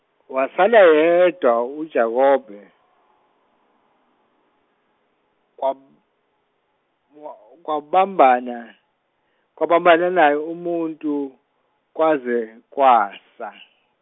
wasala eyedwa uJakobe kwabma- kwabambana kwabambana naye umuntu kwaze kwasa.